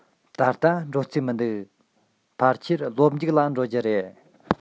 ད ལྟ འགྲོ རྩིས མི འདུག ཕལ ཆེར ལོ མཇུག ལ འགྲོ རྒྱུ རེད